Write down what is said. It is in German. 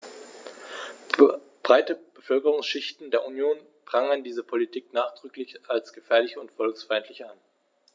Breite Bevölkerungsschichten der Union prangern diese Politik nachdrücklich als gefährlich und volksfeindlich an.